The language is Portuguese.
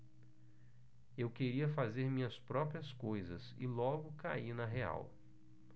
eu queria fazer minhas próprias coisas e logo caí na real